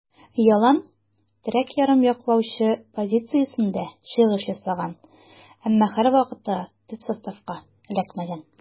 Ялланн терәк ярым яклаучы позициясендә чыгыш ясаган, әмма һәрвакытта да төп составка эләкмәгән.